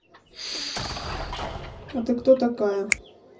а ты кто такая